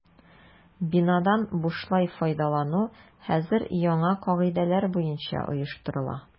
Бинадан бушлай файдалану хәзер яңа кагыйдәләр буенча оештырыла.